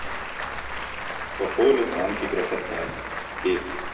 по полю танки грохотали песня